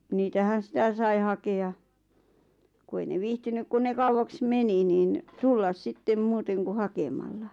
niitähän sitä sai hakea kun ei ne viihtynyt kun ne kauaksi meni niin tulla sitten muuten kuin hakemalla